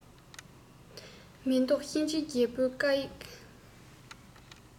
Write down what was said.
མི བཟློག གཤིན རྗེ རྒྱལ པོའི བཀའ ཡིག